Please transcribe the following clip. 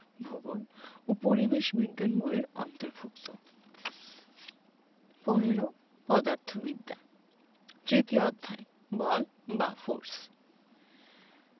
ভূগোল ও পরিবেশ বিজ্ঞান বই এর অন্তর্ভুক্ত ১৫ পদার্থবিদ্যা তৃতীয় অধ্যায় বল বা ফোরস